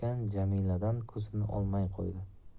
jamiladan ko'zini olmay qo'ydi